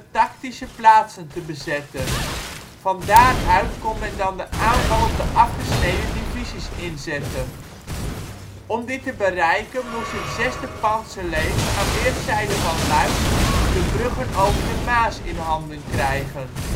tactische plaatsen te bezetten. Van daaruit kon men dan de aanval op de afgesneden divisies inzetten. Om dit te bereiken moest het zesde pantserleger aan weerszijden van Luik de bruggen over de Maas in handen krijgen